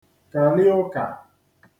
kàl̀ịụ̄kà